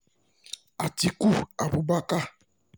Atiku Abubakar